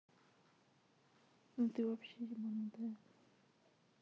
ну ты вообще ебанутая